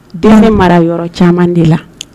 Dɛsɛ mara yɔrɔ caman de la